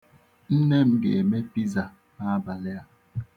Nne m ga-eme Piza n'abalị a.